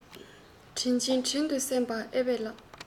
དྲིན ཅན དྲིན དུ བསམས པ ཨེ ཝེས ལགས